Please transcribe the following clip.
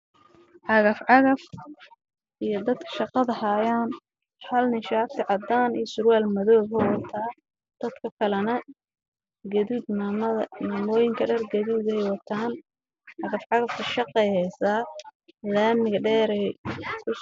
Waa cagaf cagaf midabkeedu yahay jaalo iyo niman shaqaalaha